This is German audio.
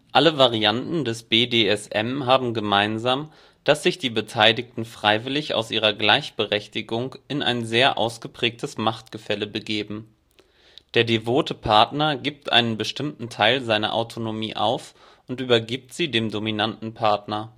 Alle Varianten des BDSM haben gemeinsam, dass sich die Beteiligten freiwillig aus ihrer Gleichberechtigung in ein sehr ausgeprägtes Machtgefälle begeben. Der devote Partner gibt einen bestimmten Teil seiner Autonomie auf und übergibt sie dem dominanten Partner